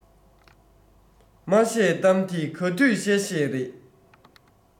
མ བཤད གཏམ དེ ག དུས བཤད བཤད རེད